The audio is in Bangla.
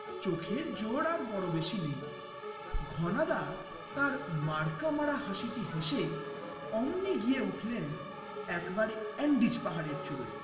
চোখের জোর আর বড় বেশি নেই ঘনাদা তার মার্কা মারা হাসিটি হেসে অমনি গিয়ে উঠলেন একেবারে আন্দিজ পাহাড়ের চূড়ায়